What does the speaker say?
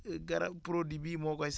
gara produit bii moo koy